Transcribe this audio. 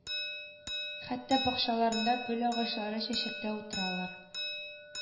Хәтта бакчаларында гөл агачлары чәчәктә утыралар